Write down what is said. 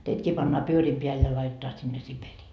teidätkin pannaan pyörien päälle ja laitetaan sinne Siperiaan